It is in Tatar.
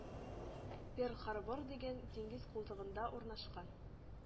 Перл-Харбор дигән диңгез култыгында урнашкан